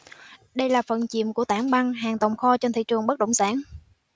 đây là phần chìm của tảng băng hàng tồn kho trên thị trường bất động sản